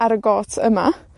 ar y gôt yma.